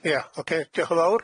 Ia, oce, diolch yn fowr.